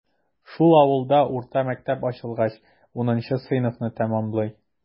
Шул авылда урта мәктәп ачылгач, унынчы сыйныфны тәмамлый.